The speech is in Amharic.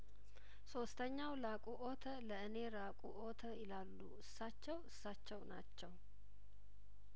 ሶስተኛው ላቁኦተ ለእኔ ራቁኦተ ይላሉ እሳቸው እሳቸው ናቸው